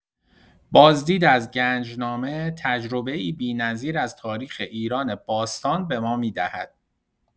بازدید از گنجنامه تجربه‌ای بی‌نظیر از تاریخ ایران باستان به ما می‌دهد.